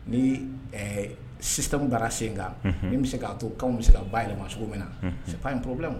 Ni sisan bara sen kan n bɛ se k'a to bɛ se ka ba yɛlɛma ma min na se in porobi ma